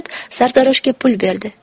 sartaroshga pul berdi